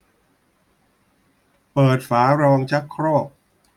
เปิดฝารองชักโครก